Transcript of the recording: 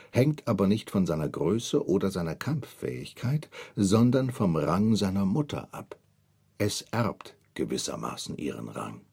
hängt aber nicht von seiner Größe oder seiner Kampffähigkeit, sondern vom Rang seiner Mutter ab, es „ erbt “gewissermaßen ihren Rang